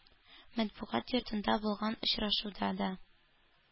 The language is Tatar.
Матбугат йортында булган очрашуда да